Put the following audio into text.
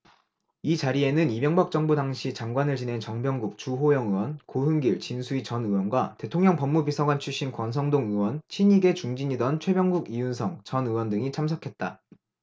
이 자리에는 이명박 정부 당시 장관을 지낸 정병국 주호영 의원 고흥길 진수희 전 의원과 대통령법무비서관 출신 권성동 의원 친이계 중진이던 최병국 이윤성 전 의원 등이 참석했다